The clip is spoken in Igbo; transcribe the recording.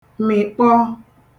mị̀kpọọ